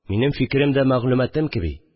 Минем фикерем дә мәгълүматым кеби